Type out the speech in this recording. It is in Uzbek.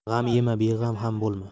g'am yema beg'am ham bo'lma